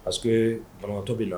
Parce que bamanantɔ bɛ la